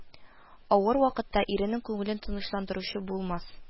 Авыр вакытта иренең күңелен тынычландыручы булмас